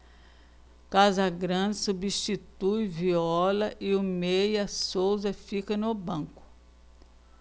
casagrande substitui viola e o meia souza fica no banco